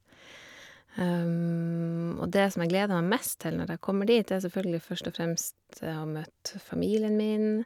Og det som jeg gleder meg mest til når jeg kommer dit, det er selvfølgelig først og fremst å møte familien min.